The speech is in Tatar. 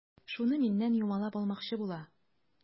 Шуны миннән юмалап алмакчы була.